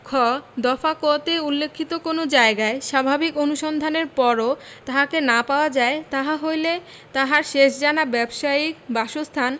খ দফা ক তে উল্লেখিত কোন জায়গায় স্বাভাবিক অনুসন্ধানের পরও তাহাকে না পাওয়া যায় তাহা হইলে তাহার শেষ জানা ব্যবসায়িক বাসস্থান